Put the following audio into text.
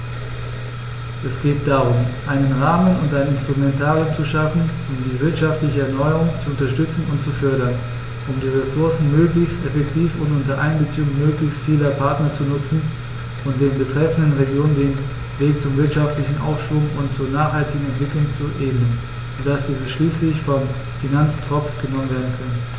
Es geht darum, einen Rahmen und ein Instrumentarium zu schaffen, um die wirtschaftliche Erneuerung zu unterstützen und zu fördern, um die Ressourcen möglichst effektiv und unter Einbeziehung möglichst vieler Partner zu nutzen und den betreffenden Regionen den Weg zum wirtschaftlichen Aufschwung und zur nachhaltigen Entwicklung zu ebnen, so dass diese schließlich vom Finanztropf genommen werden können.